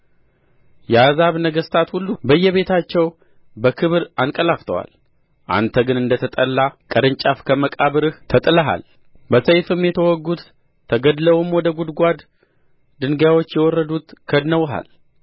የአሕዛብ ነገሥታት ሁሉ በየቤታቸው በክብር አንቀላፍተዋል አንተ ግን እንደ ተጠላ ቅርንጫፍ ከመቃብርህ ተጥለሃል በሰይፍም የተወጉት ተገድለውም ወደ ጕድጓዱ ድንጋዮች የወረዱት ከድነውሃል